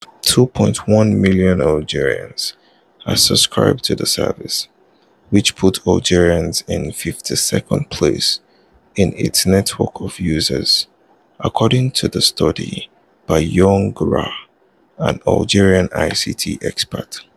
2.1 million Algerians are subscribed to the service, which puts Algeria in 52nd place in its network of users, according to a study by Younes Grar, an Algerian ICT expert.